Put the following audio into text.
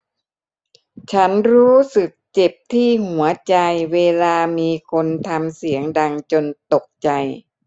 ฉันรู้สึกเจ็บที่หัวใจเวลามีคนทำเสียงดังจนตกใจ